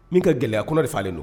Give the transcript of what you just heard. Min ka gɛlɛya a kɔnɔ de falen don